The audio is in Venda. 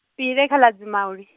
Pile khala Dzimauli.